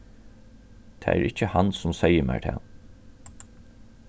tað er ikki hann sum segði mær tað